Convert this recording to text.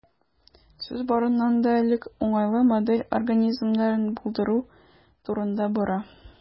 Сүз, барыннан да элек, уңайлы модель организмнарын булдыру турында бара.